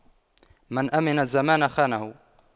من أَمِنَ الزمان خانه